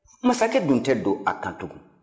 masakɛ dun tɛ don a kan tugun